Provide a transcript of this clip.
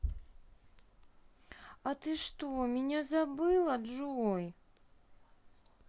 а ты что меня забыла джой